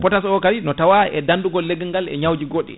potasse o kay no tawa no dandugol leggal ngal e ñawuji goɗɗi